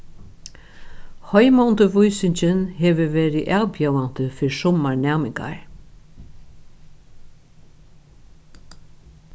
heimaundirvísingin hevur verið avbjóðandi fyri summar næmingar